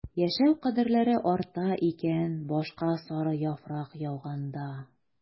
Яшәү кадерләре арта икән башка сары яфрак яуганда...